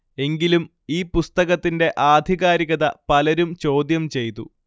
എങ്കിലും ഈ പുസ്തകത്തിന്റെ ആധികാരികത പലരും ചോദ്യം ചെയ്തു